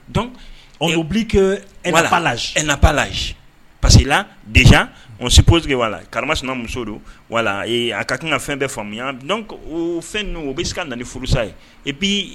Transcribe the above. Donc on oublie qu'elle n'a pas l'âge voilà, elle n'a pas l'âge, parce que là déjà on suppose que karimasina muso donvoilà e ka kan ka fɛn bɛɛ faamuya donc o fɛn ninnu o bɛ se ka na ni furusa ye bi